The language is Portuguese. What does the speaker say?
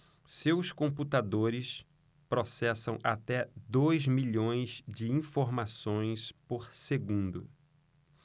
seus computadores processam até dois milhões de informações por segundo